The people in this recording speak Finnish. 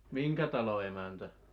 minkä talon emäntä